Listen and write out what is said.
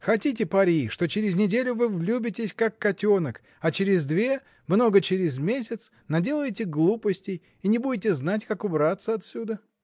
— Хотите пари, что через неделю вы влюбитесь, как котенок, а через две, много через месяц, наделаете глупостей и не будете знать, как убраться отсюда?